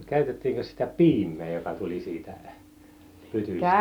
käytettiinkös sitä piimää joka tuli siitä pytystä